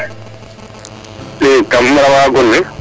i kam rawa gon le